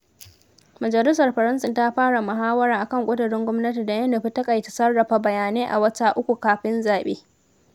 Majalisar Faransa ta fara muhawara akan ƙudirin gwamnati da ya nufi taƙaita 'sarrafa bayanai' a wata uku kafin zaɓe.